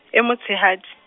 e motshehadi .